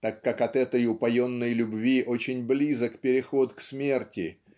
так как от этой упоенной любви очень близок переход к смерти